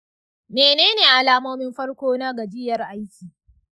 mene ne alamomin farko na gajiyar aiki?